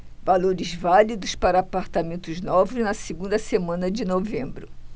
valores válidos para apartamentos novos na segunda semana de novembro